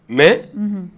Mais unhun